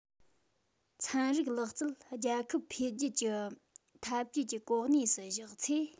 ཚན རིག ལག རྩལ རྒྱལ ཁབ འཕེལ རྒྱས ཀྱི འཐབ ཇུས ཀྱི གོ གནས སུ བཞག ཚེ